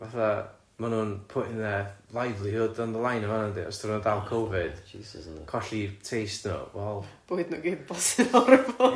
Fatha ma' nhw'n putting their livelihood on the line yn fa'na yndi os 'dyn nhw'n dal covid... Jesus yndyn ....colli taste nhw wel-... Bwyd nhw i gyd'n blasu...